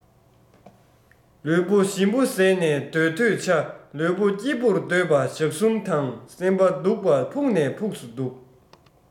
ལུས པོ ཞིམ པོ བཟས ནས སྡོད འདོད ཆ ལུས པོ སྐྱིད པོར སྡོད པ ཞག གསུམ དང སེམས པ སྡུག པ ཕུགས ནས ཕུགས སུ སྡུག